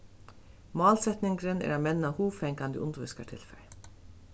málsetningurin er at menna hugfangandi undirvísingartilfar